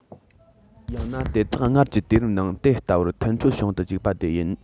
ཡང ན དེ དག སྔར གྱི དུས རབས ནང དེ ལྟ བུར མཐུན འཕྲོད བྱུང དུ བཅུག པ དེ ཡིན